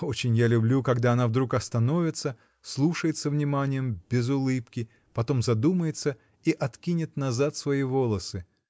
Очень я люблю, когда она вдруг остановится, слушает со вниманием, без улыбки, потом задумается и откинет назад свои волосы.